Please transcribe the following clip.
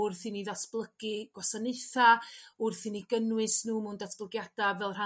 wrth i ni ddatblygu gwasanaetha' wrth i ni gynnwys n'w mewn datblygiada' fel rhan